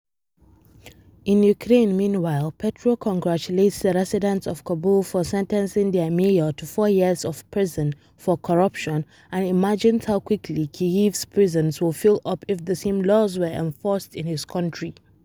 In Ukraine, meanwhile, Petro congratulates the residents of Kabul for sentencing their mayor to four years of prison for corruption and imagines how quickly Kyiv's prisons would fill up if the same laws were enforced in his country.